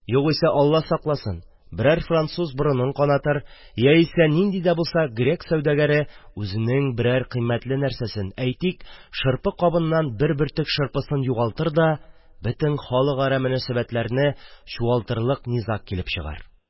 Югыйсә, – Алла сакласын, – берәр француз борынын канатыр яисә нинди дә булса грек сәүдәгәре үзенең берәр кыйммәтле нәрсәсен, әйтик, шырпы кабыннан бер бөртек шырпысын югалтыр да, бөтен халыкара мөнәсәбәтләрне чуалтырлык низак килеп чыгар!